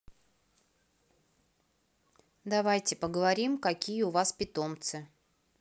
давайте поговорим какие у вас питомцы